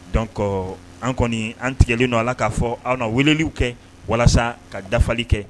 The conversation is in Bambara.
Don an kɔni an tigɛlen don ala k'a fɔ anw na weleliw kɛ walasa ka dafali kɛ